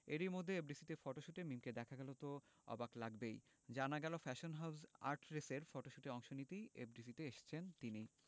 এরমধ্যে এফডিসিতে ফটোশুটে মিমকে দেখা গেল তো অবাক লাগবেই জানা গেল ফ্যাশন হাউজ আর্টরেসের ফটশুটে অংশ নিতেই এফডিসিতে এসেছেন তিনি